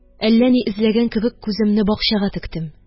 Әллә ни эзләгән кебек күземне бакчага тектем